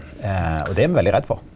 og det er me veldig redd for.